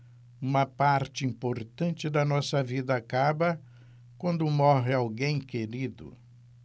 uma parte importante da nossa vida acaba quando morre alguém querido